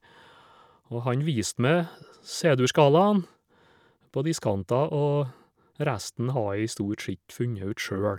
Og han viste meg C-dur-skalaen på diskanter, og resten har jeg stort sett funnet ut sjøl.